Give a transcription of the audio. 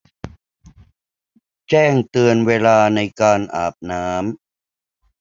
แจ้งเตือนเวลาในการอาบน้ำ